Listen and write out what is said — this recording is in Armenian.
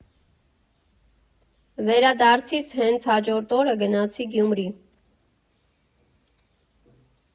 Վերադարձիս հենց հաջորդ օրը գնացի Գյումրի։